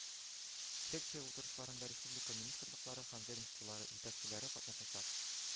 Секция утырышларында республика министрлыклары һәм ведомстволары җитәкчеләре катнашачак